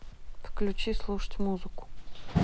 включить слушать музыку